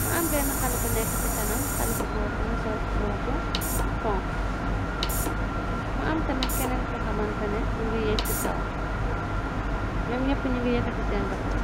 mu am benn xal bu nekk ci kanam xal bu góor mu ngi sol bo bu kong mu am tamit keneen ko xamantane mungi yéeg ci kaw ñoom ñépp ñi ngi yekkti seen loxo yi.